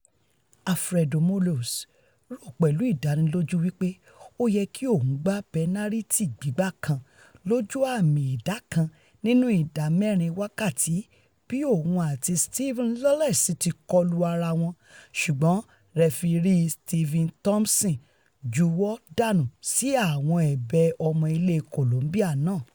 Alfredo Morelos rò pẹ̀lú ìdánilójú wí pé ó yẹ́ki òun gba pẹnariti gbígbá kan lójú àmì ìdá kan nínú ìdá mẹ́rin wákàtí bí òun àti Steven Lawless tíkọlu ara wọn ṣùgbọ́n rẹfirí Steven Thomson juwọ́ dànù sí àwọn ẹ̀bẹ̀ ọmọ ilẹ Colombia náà.